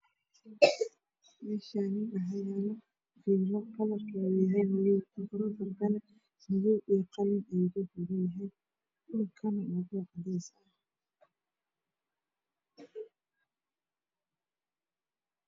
Meeshaani waxaa yaalo liimo kalarkeedu yahay madow qalin ayuu ka kooban yahay dhulakana waa dhul cadays ah